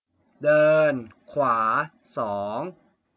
เดินขวาสอง